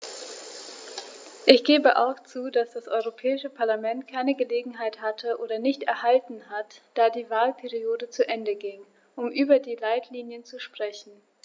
Ich gebe auch zu, dass das Europäische Parlament keine Gelegenheit hatte - oder nicht erhalten hat, da die Wahlperiode zu Ende ging -, um über die Leitlinien zu sprechen.